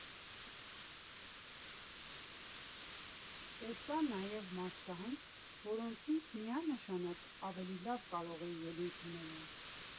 Տեսա նաև մարդկանց, որոնցից միանշանակ ավելի լավ կարող էի ելույթ ունենալ։